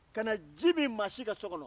kana ji min maa si ka so kɔnɔ